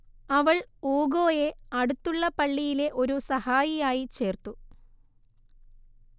അവൾ ഊഗോയെ അടുത്തുള്ള പള്ളിയിലെ ഒരു സഹായിയായി ചേർത്തു